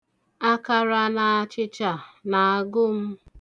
Akara na achịcha na-agụ m.